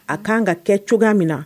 A k kan ka kɛ cogoya min na